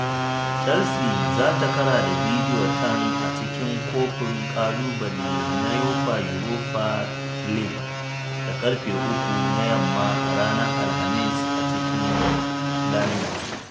Chelsea za ta kara da Videoton a cikin kofin ƙalubale na UEFA Europa League da ƙarfe 3 na yamma a ranar Alhamis a cikin Landan.